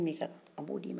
a tɛ tilenni kun bɔ